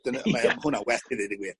dyna mae yym hwnna well i ddeud y gwir.